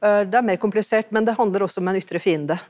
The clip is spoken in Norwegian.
det er mer komplisert, men det handler også om en ytre fiende.